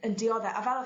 yn diodde a fel o'dd...